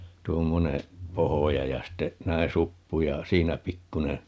tuommoinen pohja ja sitten näin suppu ja siinä pikkuinen